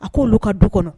A ko'olu ka du kɔnɔ